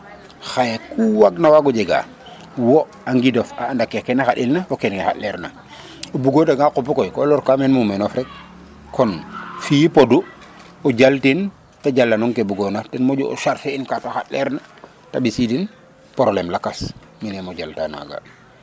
xaye ku waag na wago jega o a ŋidod a anda kete xatil na fo kete xat leer na o bugo danga qupu koy ko lorka meen mumenof rek kon fi i podu o jal tin te jala noŋ ke bugona ten moƴu sarse in ka te xat leer na te mbisi din probléme lakas mi nemo jal ta naga